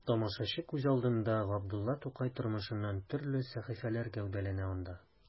Тамашачы күз алдында Габдулла Тукай тормышыннан төрле сәхифәләр гәүдәләнә анда.